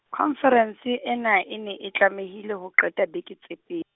khonferense ena e ne e tlamehile ho qeta beke tse pe-.